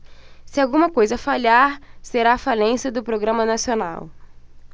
se alguma coisa falhar será a falência do programa nacional